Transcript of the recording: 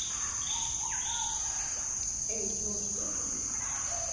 эй джой что тупишь